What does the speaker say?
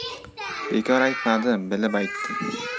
bekor aytmadim bilib aytdim